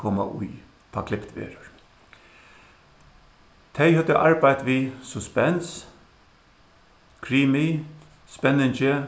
koma í tá klipt verður tey høvdu arbeitt við suspense krimi spenningi